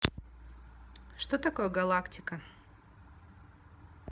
что такое галактика